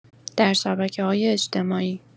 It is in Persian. در شبکه‌های اجتماعی